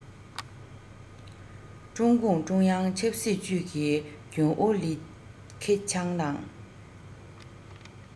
ཀྲུང གུང ཀྲུང དབྱང ཆབ སྲིད ཅུས ཀྱི རྒྱུན ཨུ ལི ཁེ ཆང དང